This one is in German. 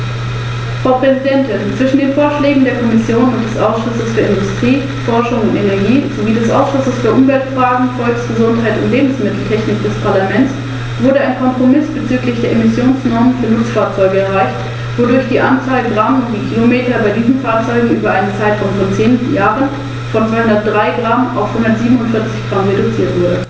Ich danke Frau Schroedter für den fundierten Bericht.